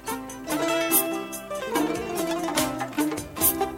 Sanunɛ wa wa yo